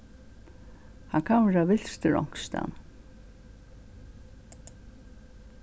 hann kann vera vilstur onkustaðni